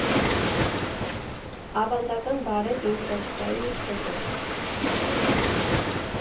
Ավանդական բարև֊ինչ֊կա֊չկայից հետո.